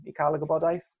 i ca'l y gwybodaeth.